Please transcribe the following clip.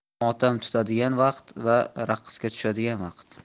motam tutadigan vaqt va raqsga tushadigan vaqt